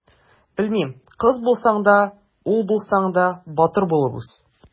Белмим: кыз булсаң да, ул булсаң да, батыр булып үс!